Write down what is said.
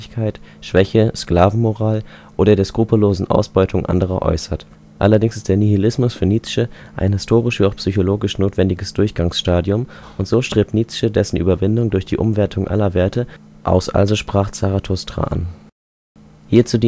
Sklavenmoral “) oder der skrupellosen Ausbeutung anderer äußert. Allerdings ist der Nihilismus für Nietzsche ein historisch wie auch psychologisch notwendiges Durchgangsstadium, und so strebt Nietzsche dessen Überwindung durch die „ Umwertung aller Werte “und den Übermenschen aus Also sprach Zarathustra an. Hierzu